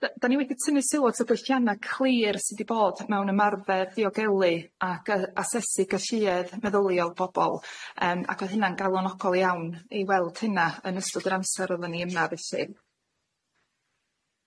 Dy- da ni wedi tynnu sylw at y gweithianna clir sy di bod mewn ymarfer ddiogelu ac yy asesu galluedd meddyliol bobol yym ac o'dd hynna'n galonogol iawn i weld hynna yn ystod yr amser oddan ni yma felly.